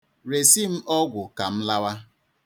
Resi m ọgwụ ka m lawa.